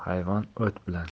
hayvon o't bilan